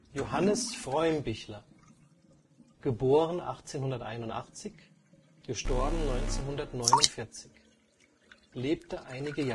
Johannes Freumbichler (1881 – 1949), lebte einige